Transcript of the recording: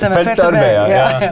feltarbeider ja.